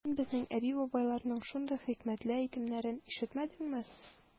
Син безнең әби-бабайларның шундый хикмәтле әйтемнәрен ишетмәдеңме?